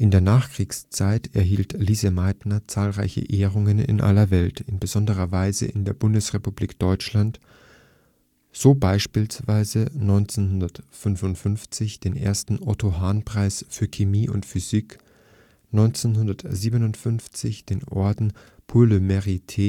der Nachkriegszeit erhielt Lise Meitner zahlreiche Ehrungen in aller Welt, in besonderer Weise in der Bundesrepublik Deutschland, so beispielsweise 1955 den ersten „ Otto-Hahn-Preis für Chemie und Physik “, 1957 den Orden Pour le mérite